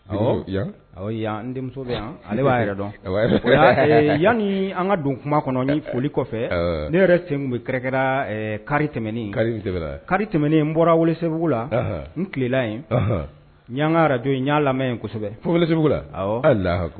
Ɔ n denmuso yan ale b'a yɛrɛ dɔn yanni an ka don kuma kɔnɔ foli kɔfɛ ne yɛrɛ bɛ kɛrɛ kɛra kari tɛmɛnen kari kari tɛmɛnen in bɔra segu la n tilela in ɲga araj'a lamɛnsɛbɛ foyi segu la